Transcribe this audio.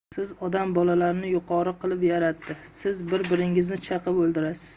siz odam bolalarini yuqori qilib yaratdi siz bir biringizni chaqib o'ldirasiz